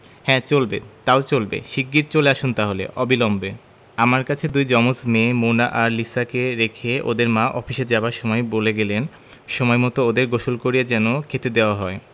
হ্যাঁ চলবে তাও চলবে শিগগির চলে আসুন তাহলে অবিলম্বে আমার কাছে দুই জমজ মেয়ে মোনা আর লিসাকে রেখে ওদের মা অফিসে যাবার সময় বলে গেলেন সময়মত ওদের গোসল করিয়ে যেন খেতে দেওয়া হয়